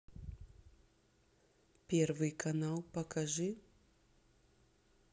первый канал покажи